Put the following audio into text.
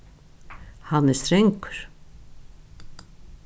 hann er strangur